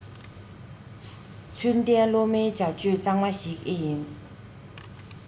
ཚུལ ལྡན སློབ མའི བྱ སྤྱོད གཙང མ ཞིག ཨེ ཡིན